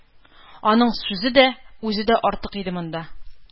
Аның сүзе дә, үзе дә артык иде монда.